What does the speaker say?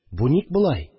Бу ник болай